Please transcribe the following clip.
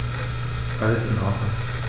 Alles in Ordnung.